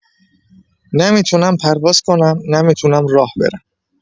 نه می‌تونم پرواز کنم، نه می‌تونم راه برم.